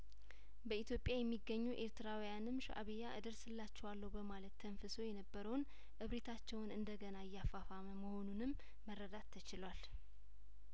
በኢትዮጵያ የሚገኙ ኤርትራውያንም ሻእቢያ እደርስላችኋለሁ በማለት ተንፍሶ የነበረውን እብሪታቸውን እንደገና እያፋፋመ መሆኑንም መረዳት ተችሏል